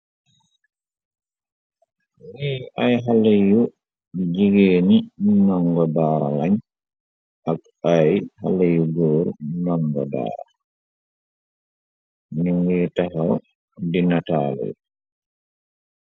niy ay xale yu jigée ni ndonga baara lañ ak ay xalé yu góor ndongo baar ni nguy texa dinataal yi.